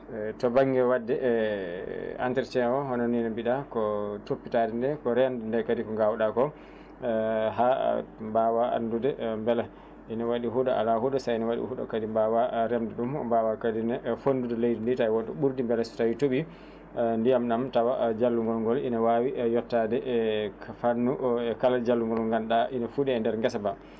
eyyi to banŋnge wadde e entretien o hono ni no mbiɗa ko toppitade ko nde ko rende nde kadi ko gawɗa ko haa mbawa anndude beela ina waɗi huɗo ala huɗo ine waɗi waɗi huɗo kadi mbawa remde ɗum mbawa kadi ne fonndude leydi ndi tawi woto ɓurde beele so tooɓi ndiyam ɗam tawa njallugol ngol ine wawi yettade e fannu o e kala njallugol ngol gannduɗa ina fuuɗe e nder geesa ba